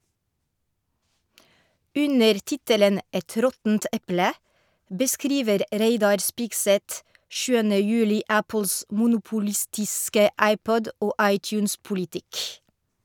Under tittelen «Et råttent eple» beskriver Reidar Spigseth 7. juli Apples monopolistiske iPod- og iTunes-politikk.